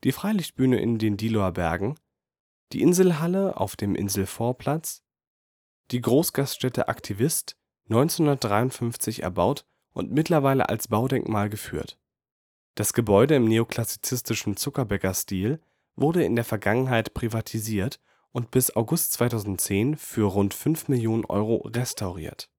Freilichtbühne in den Diehloer Bergen Inselhalle auf dem Inselvorplatz Großgaststätte Aktivist, 1953 erbaut und mittlerweile als Baudenkmal geführt. Das Gebäude – im neoklassizistischen Zuckerbäckerstil – wurde in der Vergangenheit privatisiert und bis August 2010 für rund fünf Millionen Euro restauriert